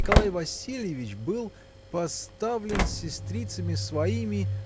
Николай Васильевич был поставлен сестрицами своими